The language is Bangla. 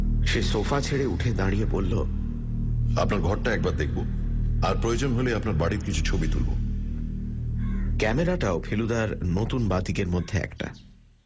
সে সোফা ছেড়ে উঠে দাঁড়িয়ে বলল আপনার ঘরটা একবার দেখব আর প্রয়োজন হলে আপনার বাড়ির কিছু ছবি তুলব ক্যামেরাটাও ফেলুদার নতুন বাতিকের মধ্যে একটা